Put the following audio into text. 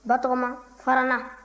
batɔgɔma fara n na